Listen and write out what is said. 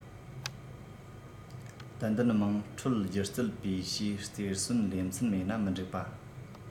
ཏན ཏན དམངས ཁྲོད སྒྱུ རྩལ པའི ཞིའི རྩེར སོན ལེ ཚན མེད ན མི འགྲིག པ